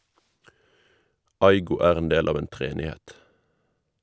Aygo er en del av en treenighet.